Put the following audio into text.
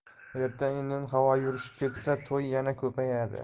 erta indin havo yurishib ketsa to'y yana kupayadi